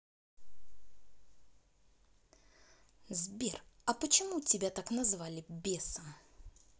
сбер а почему тебя так назвали бесом